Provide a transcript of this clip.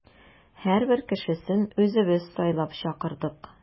Һәрбер кешесен үзебез сайлап чакырдык.